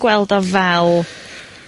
...gweld o fel